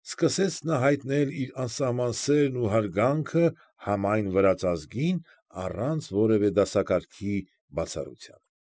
Սկսեց նա հայտնել իր անսահման սերն ու հարգանքը համայն վրաց ազգին՝ առանց որևէ դասակարգի բացառության։